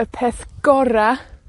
y peth gora'